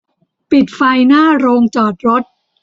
ปิดไฟหน้าโรงจอดรถ